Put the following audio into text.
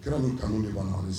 Kira ni kanu de